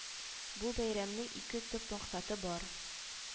Бу бәйрәмнең ике төп максаты бар